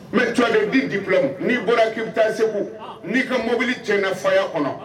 Mɛ clen u di di bila n'i bɔra k'i bɛ taa segu n'i ka mobili cɛ in na faya kɔnɔ